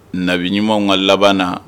Nabi ɲumanw ka labana